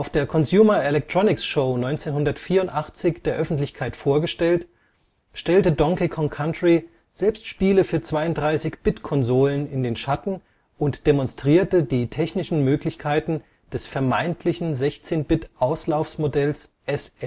der Consumer Electronics Show 1994 der Öffentlichkeit vorgestellt, stellte Donkey Kong Country selbst Spiele für 32-Bit-Konsolen in den Schatten und demonstrierte die technischen Möglichkeiten des vermeintlichen 16-Bit-Auslaufmodells SNES. Es